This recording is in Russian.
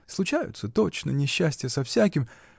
Случаются, точно, несчастья со всяким